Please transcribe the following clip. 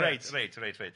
Reit reit reit reit.